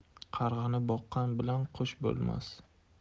qarg'ani boqqan bilan qush bo'lmas